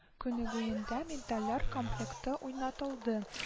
Күнегүендә медальләр комплекты уйнатылды